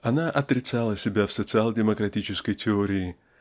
Она отрицала себя в социал-демократической теории